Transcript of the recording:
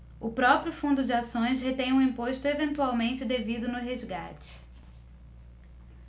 o próprio fundo de ações retém o imposto eventualmente devido no resgate